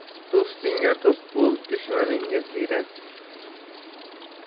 do'stingga do'st bo'l dushmaningga ziyrak